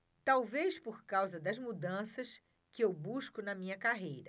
talvez por causa das mudanças que eu busco na minha carreira